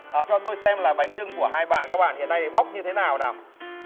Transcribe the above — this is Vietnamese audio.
cho tôi xem là bánh chưng của hai bạn các bạn hiện nay bóc như thế nào nào